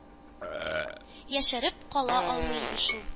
Яшереп кала алмый иде шул.